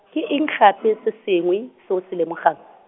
ke eng gape se sengwe, se o se lemogang?